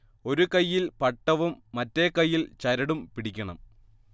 ഒരു കൈയ്യിൽ പട്ടവും മറ്റേ കൈയിൽ ചരടും പിടിക്കണം